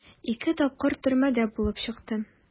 Ике тапкыр төрмәдә булып чыктым.